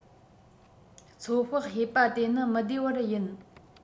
ཚོད དཔག བྱས པ དེ ནི མི བདེ བར ཡིན